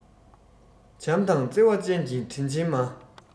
བྱམས དང བརྩེ བ ཅན གྱི དྲིན ཆེན མ